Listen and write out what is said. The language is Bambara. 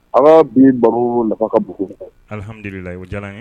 Ala bi baro labuguhadu la o diyara ye